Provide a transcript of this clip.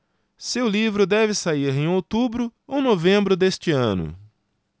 seu livro deve sair em outubro ou novembro deste ano